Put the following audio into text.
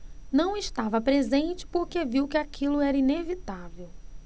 não estava presente porque viu que aquilo era inevitável